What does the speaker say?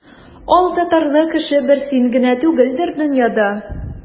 Алтатарлы кеше бер син генә түгелдер дөньяда.